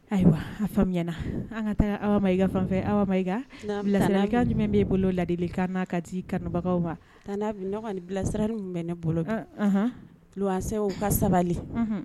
Ayiwa a faamuya an ka taa aw ma i fan aw i bilasala jumɛn bɛ bolo ladieli kaana kati kanubagaw ma'a bilasaren bɛ ne bolo w ka sabali